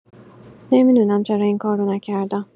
نمی‌دونم چرا این کار رو نکردم.